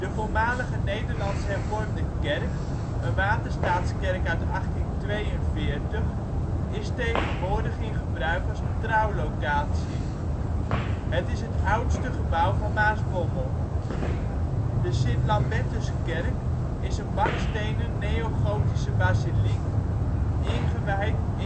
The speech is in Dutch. voormalige Nederlands-Hervormde kerk, een waterstaatskerk uit 1842, is tegenwoordig in gebruik als trouwlocatie. Het is het oudste gebouw van Maasbommel. De Sint-Lambertuskerk is een bakstenen neogotische basiliek, ingewijd